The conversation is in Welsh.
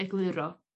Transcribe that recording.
egluro